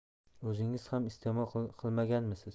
o'zingiz ham iste'mol qilmaganmisiz